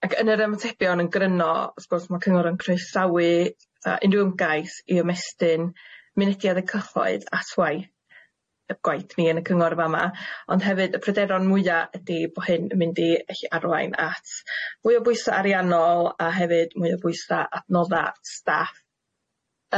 ac yn yr ymatebion yn gryno w's gwrs ma' cyngor yn croesawu yy unryw ymgais i ymestyn mynediad y cyhoedd at waith y gwaith ni yn y cyngor fa' 'ma ond hefyd y pryderon mwya ydi bo' hyn yn mynd i ellu arwain at mwy o bwysa ariannol a hefyd mwy o bwysa adnodda staff.